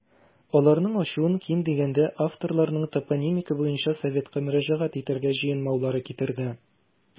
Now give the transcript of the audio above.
Аларның ачуын, ким дигәндә, авторларның топонимика буенча советка мөрәҗәгать итәргә җыенмаулары китерде.